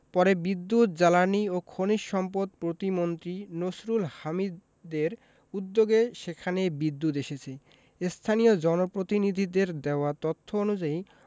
পরে বিদ্যুৎ জ্বালানি ও খনিজ সম্পদ প্রতিমন্ত্রী নসরুল হামিদদের উদ্যোগে সেখানে বিদ্যুৎ এসেছে স্থানীয় জনপ্রতিনিধিদের দেওয়া তথ্য অনুযায়ী